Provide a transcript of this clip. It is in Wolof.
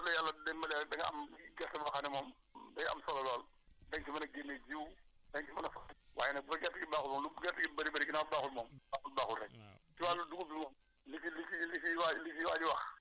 bon na ci gerte trop ba nga xam ne bu fekkente ne léegi preparer nga yooyu yëpp su la yàlla dimbalee rek da nga am gerte boo xam ne moom day am solo lool da nga si mën a génne jiw da nga ci mën a saq waaye nag sa gerte gi baaxul moom lu gerte gi bëri bëri ginnaaw baaxul moom